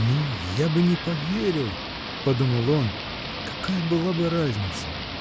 "Ну, я бы не поверил, -- подумал он, -- какая была бы разница?